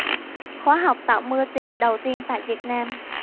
khóa học tạo mưa tiền đầu tiên tại việt nam